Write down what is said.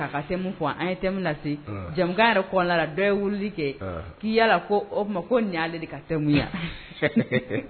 Ka se fɔ an ye na jamukan yɛrɛ dɔw ye wuli kɛ k'i yala o koale ka semu yan